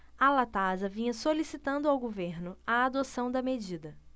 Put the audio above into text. a latasa vinha solicitando ao governo a adoção da medida